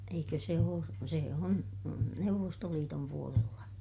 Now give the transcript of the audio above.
eikö se ole se on Neuvostoliiton puolella